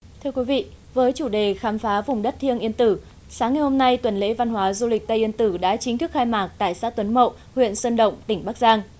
thưa quý vị với chủ đề khám phá vùng đất thiêng yên tử sáng ngày hôm nay tuần lễ văn hóa du lịch tây yên tử đã chính thức khai mạc tại xã tuấn mậu huyện sơn động tỉnh bắc giang